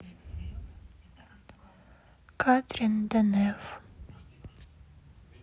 катрин денев